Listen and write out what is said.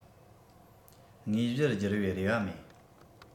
དངོས གཞིར བསྒྱུར བའི རེ བ མེད